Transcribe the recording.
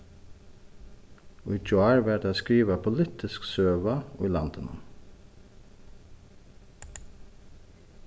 í gjár varð tað skrivað politisk søga í landinum